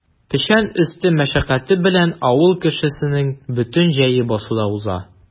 Печән өсте мәшәкате белән авыл кешесенең бөтен җәе басуда уза.